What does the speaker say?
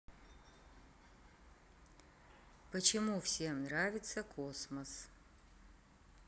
почему всем нравится космос